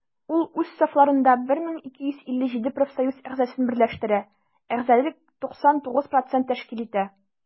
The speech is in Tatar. Ул үз сафларында 1257 профсоюз әгъзасын берләштерә, әгъзалык 99 % тәшкил итә.